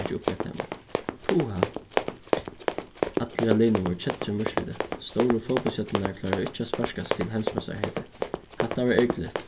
taki upp eftir teimum puha allir á liðnum vóru keddir um úrslitið stóru fótbóltsstjørnurnar kláraðu ikki at sparka seg til heimsmeistaraheitið hatta var ergiligt